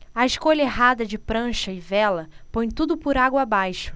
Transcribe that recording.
a escolha errada de prancha e vela põe tudo por água abaixo